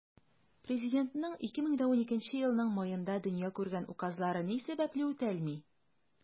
Президентның 2012 елның маенда дөнья күргән указлары ни сәбәпле үтәлми?